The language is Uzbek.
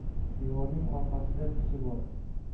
devorning orqasida kishi bor